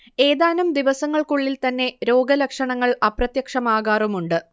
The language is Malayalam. ഏതാനും ദിവസങ്ങൾക്കുള്ളിൽ തന്നെ രോഗലക്ഷണങ്ങൾ അപ്രത്യക്ഷമാകാറുമുണ്ട്